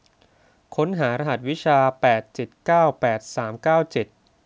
ค้นหารหัสวิชาแปดเจ็ดเก้าแปดสามเก้าเจ็ด